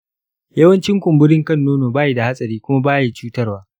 yawancin kumburin kan nono bayi da hatsari kuma bayi cutarwa.